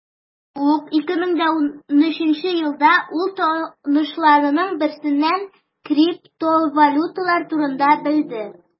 Шул ук 2013 елда ул танышларының берсеннән криптовалюталар турында белде.